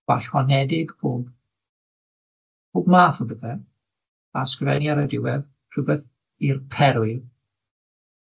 gwall honedig, pob pob math o bethe, a ysgrifennu ar y diwedd rhywbeth i'r perwyl